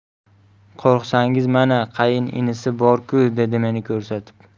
qo'rqsangiz mana qayin inisi bor ku dedi meni ko'rsatib